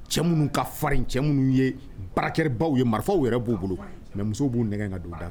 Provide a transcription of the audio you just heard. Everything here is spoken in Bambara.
Cɛ minnu ka fara cɛ minnu ye baarakɛbaw ye marifaw yɛrɛ b'o bolo mɛ muso b'u nɛgɛ ka don u da